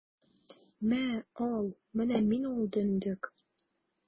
Мә, ал, менә мин ул дөндек!